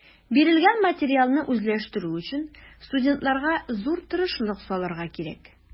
Бирелгән материалны үзләштерү өчен студентларга зур тырышлык салырга кирәк.